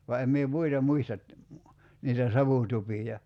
vaan en minä muita muista niitä savutupia